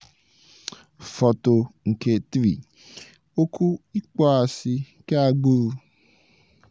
Foto nke 3: Okwu ịkpọasị keagbụrụ